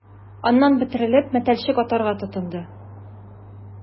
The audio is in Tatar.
Аннан, бөтерелеп, мәтәлчек атарга тотынды...